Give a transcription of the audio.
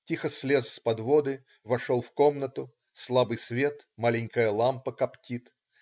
Тихо слез с подводы, вошел в комнату. Слабый свет. Маленькая лампа коптит.